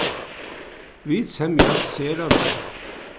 vit semjast sera væl